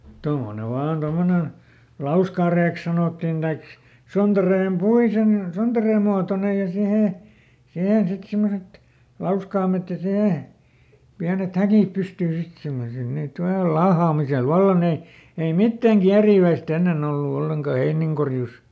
tuommoinen vain tuommoinen lauskareeksi sanottiin tai sontareen - sontareen muotoinen ja siihen siihen sitten semmoiset lauskaimet ja siihen pienet häkit pystyyn sitten semmoisilla niitä - laahaamisella vallan ne ei mitään kieriväistä ennen ollut ollenkaan heinienkorjuussa